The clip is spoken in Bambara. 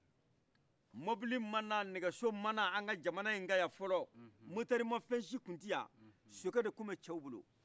mɔbili mana nɛgɛso mana an ka jamanan yi kan yan fɔlɔ motɛr ma fɛin ci tun tiyan sokɛ de tun be cɛw bolo